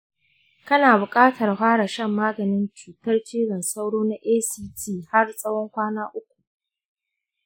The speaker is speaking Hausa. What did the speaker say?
kana bukatar fara shan maganin cutar cizon sauro na act har tsawon kwana uku.